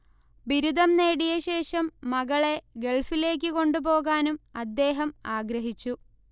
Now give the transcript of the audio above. ബിരുദം നേടിയശേഷം മകളെ ഗൾഫിലേക്കു കൊണ്ടുപോകാനും അദ്ദേഹം ആഗ്രഹിച്ചു